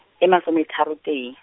e masometharo tee.